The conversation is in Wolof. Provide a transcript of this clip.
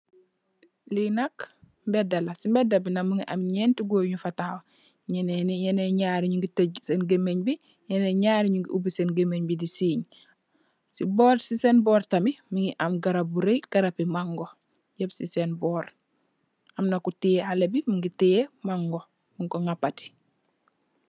Lii nak mbéédë la, si mbéédë nak mu ngi am ñeenti goor yu fa taxaw. Ñenen ñaar ñu ngi tëgg seen gëméng bi, ñenen ñaar ñu ngi ubi seen gëméng bi di siiñ. Si seen boor tamit, my ngi am garab bu rëy...yep si seen boor, am na ku tiye xalé bi, mu ngi tiye mango, muñg koo ngapati